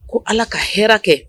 Ko ala ka hɛrɛ kɛ